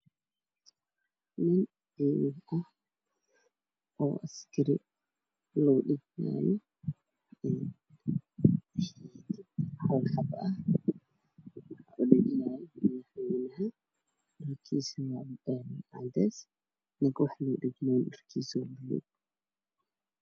Waa wiil yar oo ku labisan dhar madow ah wuxuu sidaa oo kiyaalo midab kiisu yahay cadaan